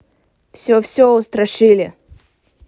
все все устрашили